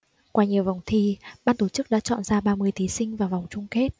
qua nhiều vòng thi ban tổ chức đã chọn ra ba mươi thí sinh vào vòng chung kết